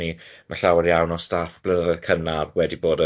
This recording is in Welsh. ni, ma' llawer iawn o staff blynyddoedd cynnar wedi bod yn